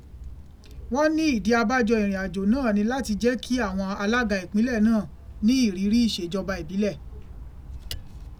Wọ́n ní ìdí abájọ ìrìn àjò náà ni láti jẹ́ kí àwọn alága ìpínlẹ̀ náà ní ìrírí ìṣèjọba ìbílẹ̀.